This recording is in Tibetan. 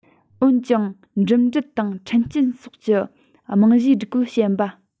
འོན ཀྱང འགྲིམ འགྲུལ དང འཕྲིན སྐྱེལ སོགས ཀྱི རྨང གཞིའི སྒྲིག བཀོད ཞན པ